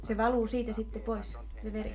se valuu siitä sitten pois se veri